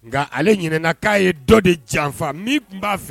Nka ale ɲinɛna'a ye dɔ de janfa min tun b'a fɛ